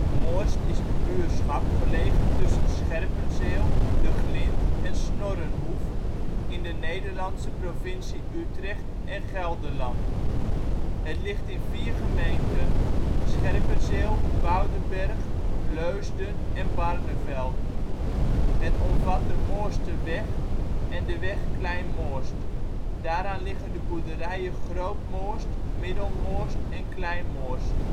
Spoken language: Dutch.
Moorst is een buurtschap gelegen tussen Scherpenzeel, De Glind en Snorrenhoef, in de Nederlandse provincie Utrecht en Gelderland. Het ligt in vier gemeenten: Scherpenzeel, Woudenberg, Leusden en Barneveld. Het omvat de Moorsterweg en de weg Klein Moorst. Daaraan liggen de boerderijen Groot Moorst, Middelmoorst en Klein Moorst